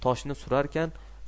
toshni surarkan